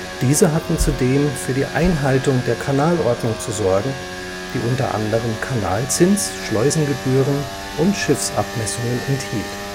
Diese hatten zudem für die Einhaltung der Kanalordnung zu sorgen, die unter anderem Kanalzins, Schleusengebühren, Schiffsabmessungen enthielt